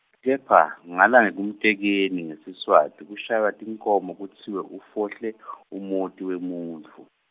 kepha ngalangekumtekeni ngesiSwati kushaywa tinkhomo kutsiwe ufohle , umuti wemuntfu.